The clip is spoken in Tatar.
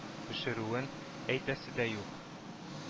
Пешерүен әйтәсе дә юк